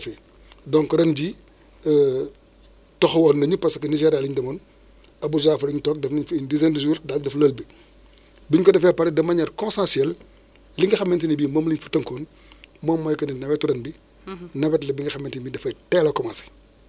bu ko defee affaire yu bëri ñooy génn foofu souvent sax day am ay kii benn bulletin boo xam ne bu ñu paree GTP day génn yooyu nag en général dañu koy lewal en général ;fra béykat bi nag bu xoolee loolu moom dina mën a jël décision xam que ah telle chose ah risque bii fii la nekkee wala déet